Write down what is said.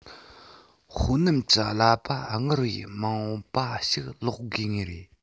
ཧུའུ ནན གྱི གླ པ སྔར བས མང པ ཞིག ལོག དགོས ངེས རེད